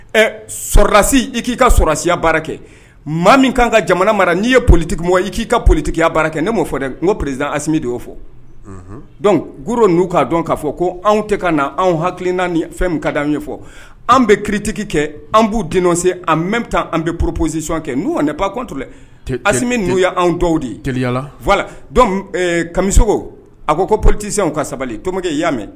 Ɛ sɔdasi i k'i ka sɔsiya baara kɛ maa min ka kan ka jamana mara n'i ye politigimɔgɔ i k'i ka politigiya baara kɛ ne m'o fɔ dɛ n ko perez ami don' o fɔ dɔnku g n'u k'a dɔn k'a fɔ ko anw tɛ ka' anw hakili naani ni fɛn ka di anw an ye fɔ an bɛ kitigi kɛ an b'u di se an mɛn taa an bɛ ppolisiɔn kɛ n'o kɔni ne pan kɔntulɛ alimi n'u y' anw dɔw dela kamisoko a ko ko posiw ka sabali tokɛ i y'a mɛn